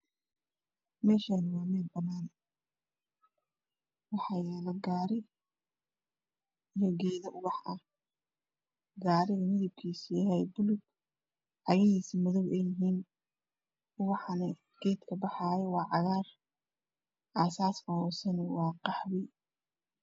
Meeshaan waa meel bannaan waxa yaalo gaari iyo geedo ubax ah gaarida midabkiisa yahay buluug, cagahiisa madow ay yihiin Waxaana geedka baxaayo waa cagaaraasaaskana isadana waa khahwo.